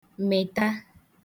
mị̀ta